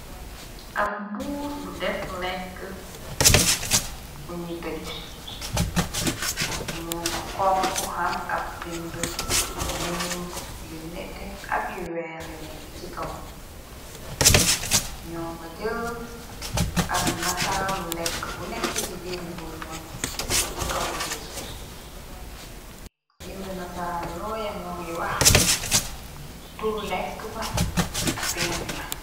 Ab mbuus bu def lekk buñi tëj moo nga konk ham ab bindi yu ñuul yu nette ak yu weex yu nekki ci kawam ñoo nga jël ab nataalu lekk bu nekk ci biir mbuos ma def ko ci kaw mbuus be bind masaraan yooye moo ngi wax turu lekk ba ak lan la.